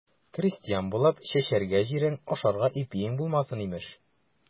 Крестьян булып, чәчәргә җирең, ашарга ипиең булмасын, имеш.